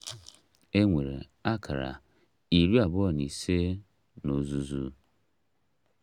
E nwere akara 25 n'ozuzu.